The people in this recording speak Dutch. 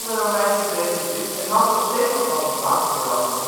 Romeinse Republiek en had als zetel van de macht Rome